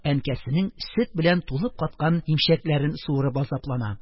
Әнкәсенең сөт белән тулып каткан имчәкләрен суырып азаплана.